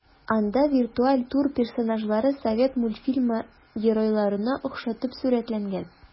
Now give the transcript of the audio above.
Анда виртуаль тур персонажлары совет мультфильмы геройларына охшатып сурәтләнгән.